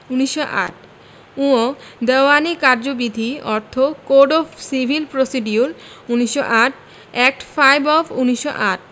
১৯০৮ ঙ দেওয়ানী কার্যবিধি অর্থ code of civil procedure ১৯০৮ act five of ১৯০৮